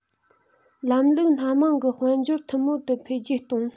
ལམ ལུགས སྣ མང གི དཔལ འབྱོར ཐུན མོང དུ འཕེལ རྒྱས གཏོང